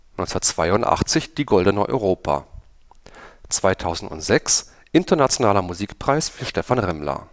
1982: Goldene Europa 2006: Internationaler Musikpreis für Stephan Remmler